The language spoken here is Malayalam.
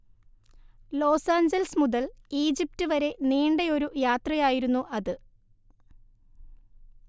ലോസാഞ്ചലൽസ് മുതൽ ഈജിപ്റ്റ് വരെ നീണ്ടയൊരു യാത്രയായിരുന്നു അത്